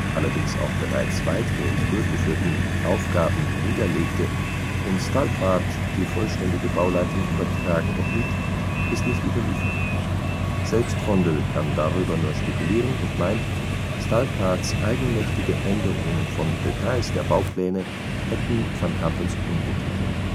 allerdings auch bereits weitgehend durchgeführte – Aufgaben niederlegte und Stalpaert die vollständige Bauleitung übertragen erhielt, ist nicht überliefert; selbst Vondel kann darüber nur spekulieren und meint, Stalpaerts eigenmächtige Änderungen von Details der Baupläne hätten van Campens Unmut erregt